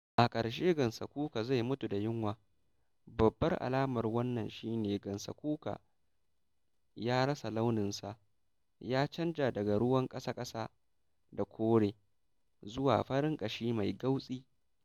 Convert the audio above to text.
A ƙarshe gansakuka zai mutu da yunwa; babbar alamar wannan shi ne gansakuka ya rasa launinsa, ya canja daga ruwan ƙasa-ƙasa da kore zuwa farin ƙashi mai gautsi.